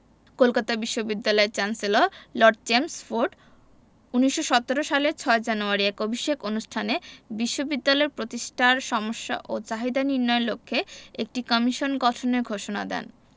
কলকাতা বিশ্ববিদ্যালয়ের chancellor lord Chelmsford ১৯১৭ সালের ৬ জানুয়ারি এক অভিষেক অনুষ্ঠানে বিশ্ববিদ্যালয় প্রতিষ্ঠার সমস্যা ও চাহিদা নির্ণয়ের লক্ষ্যে একটি কমিশন গঠনের ঘোষণা দেন